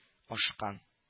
Ашкан